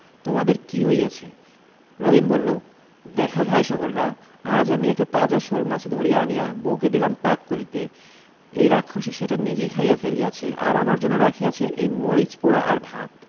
তোমাদের কি হইয়াছে রহিম বলিল দেখ ভাই সকলরা আজ আমি একটা তাজা শোলমাছ ধরিয়া আনিয়া বউকে দিলাম পাক করিতে এই রাক্ষসী সেটা নিজেই খাইয়া ফেলিয়াছে আর আমার জন্য রাখিয়াছে এই মরিচ পোড়া আর ভাত